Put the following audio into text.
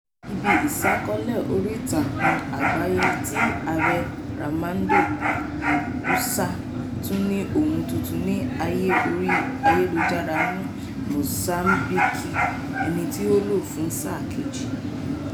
Ibi ìṣàkọọ́lẹ̀ oríìtakùn àgbáyé ti Ààrẹ Armando Guebuza tún ni ohun tuntun ní ayé orí ayélujára ní Mozambique, ẹni tí ó ń lọ fún sáà kejì.